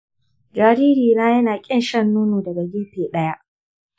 jaririna yana ƙin shan nono daga gefe ɗaya.